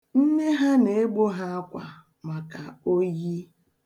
Nne ha na-egbo ha akwa maka oyi.